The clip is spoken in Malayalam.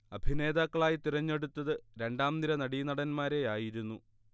അഭിനേതാക്കളായി തിരഞ്ഞെടുത്തത് രണ്ടാംനിര നടീനടൻമാരെയായിരുന്നു